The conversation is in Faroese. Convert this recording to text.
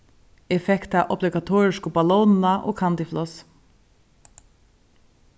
eg fekk ta obligatorisku ballónina og candyfloss